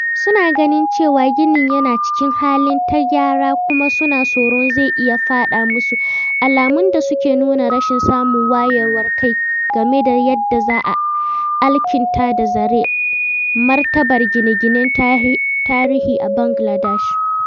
Suna ganin cewa ginin yana cikin halin tagayyara kuma suna tsoron zai iya faɗo musu - alamun da suke nuna rashin samun wayewar kai game da yadda za a alkinta da tsare martabar gine-ginen tarihi a Bangaladesh.